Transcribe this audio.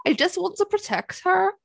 "I just want to protect her."